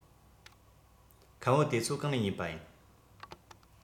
ཁམ བུ དེ ཚོ གང ནས ཉོས པ ཡིན